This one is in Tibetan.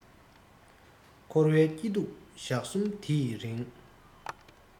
འཁོར བའི སྐྱིད སྡུག ཞག གསུམ འདི ཡི རིང